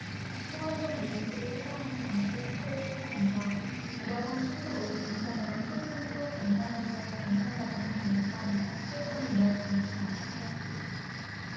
성완종 리스트를 수사하는 검찰 특별수사팀과 일 억원 수수 의혹 당사자인 홍준표 경남지사의 경선 자금을 둘러싼 설전이 이어지고 있다